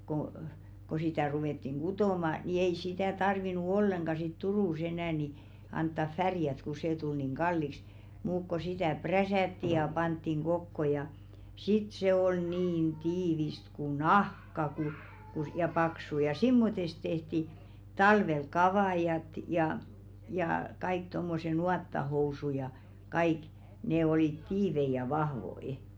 kun kun sitä ruvettiin kutomaan niin ei sitä tarvinnut ollenkaan sitten Turussa enää niin antaa värjätä kun se tuli niin kalliiksi mutta kun sitä prässättiin ja pantiin kokoon ja sitten se oli niin tiivistä kuin nahka kun kun - ja paksu ja semmoista tehtiin talvella kavaijit ja ja kaikki tuommoiset nuottahousut ja kaikki ne olivat tiiviitä ja vahvoja